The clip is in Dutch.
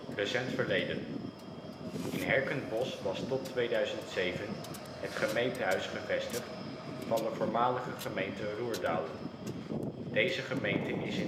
Recent verleden In Herkenbosch was tot 2007 het gemeentehuis gevestigd van de voormalige gemeente Roerdalen; deze gemeente is